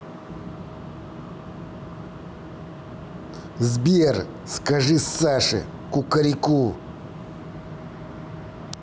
сбер скажи саше кукареку